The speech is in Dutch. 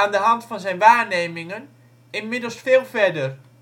de hand van zijn waarnemingen, inmiddels veel verder